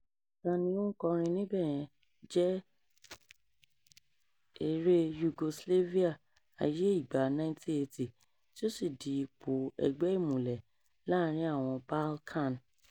"Ta ni ó ń kọrin níbẹ̀ yẹn?" jẹ́ eré Yugoslavia ayé ìgbà 1980 tí ó sì di ipò ẹgbẹ́-ìmùlẹ̀ láàárín àwọn Balkan.